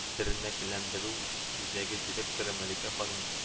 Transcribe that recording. Тернәкләндерү үзәге директоры мәликә ханым